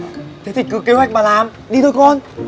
thế thì cứ kế hoạch mà làm đi thôi con